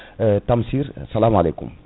Tamsire salamu aleykum